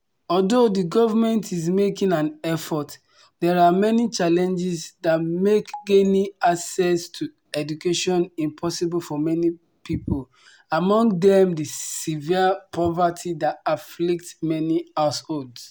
Although the government is making an effort, there are many challenges that make gaining access to education impossible for many people, among them the severe poverty that afflicts many households.